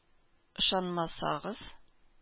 Ышанмасагыз